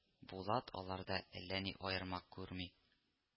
Булат аларда әллә ни аерма күрми